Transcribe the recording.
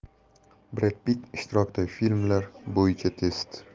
bred pitt ishtirokidagi filmlar bo'yicha test